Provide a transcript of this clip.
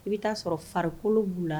I bɛ taa sɔrɔ farikolo b'u la.